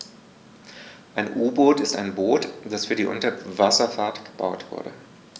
Ein U-Boot ist ein Boot, das für die Unterwasserfahrt gebaut wurde.